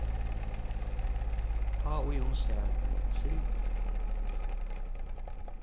tá ið hon sær eina sild